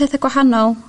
petha gwahanol